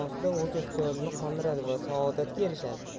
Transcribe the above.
asnosida o'z ehtiyojini qondiradi va saodatga erishadi